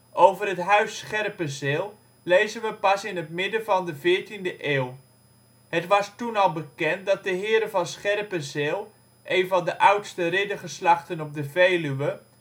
Over het ‘Huis Scherpenzeel’ lezen we pas in het midden van de 14e eeuw. Het was toen al bekend dat de heren van Scherpenzeel, een van de oudste riddergeslachten op de Veluwe